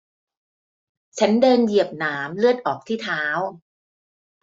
ฉันเดินเหยียบหนามเลือดออกที่เท้า